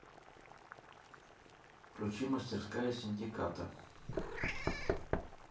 включи мастерская синдиката